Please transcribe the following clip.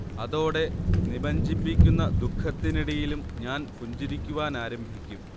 അതോടെ നിമജ്ജിപ്പിക്കുന്ന ദുഃഖത്തിനിടയിലും ഞാൻ പുഞ്ചിരിക്കുവാനാരംഭിക്കും